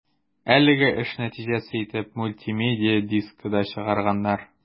Әлеге эш нәтиҗәсе итеп мультимедия дискы да чыгарганнар.